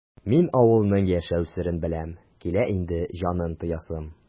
Мин авылның яшәү серен беләм, килә инде җанын тоясым!